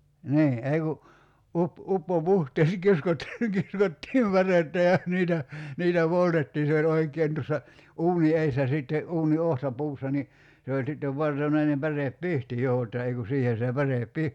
niin ei kun - uppopuhteessa - kiskottiin pärettä ja niitä niitä poltettiin se oli oikein tuossa uunin edessä sitten uunin otsapuussa niin se oli sitten vartonainen pärepihti jo jotta ei kun siihen se päre -